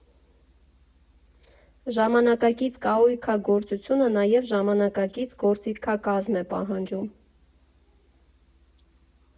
Ժամանակակից կահույքագործությունը նաև ժամանակակից գործիքակազմ է պահանջում։